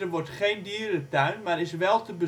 wordt geen dierentuin, maar is wel te